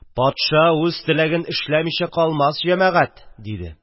– патша үз теләген эшләмичә калмас, җәмәгать! – диде.